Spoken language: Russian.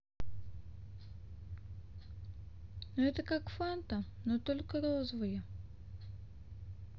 ну это как fanta но только розовое